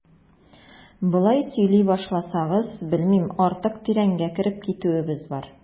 Болай сөйли башласагыз, белмим, артык тирәнгә кереп китүебез бар.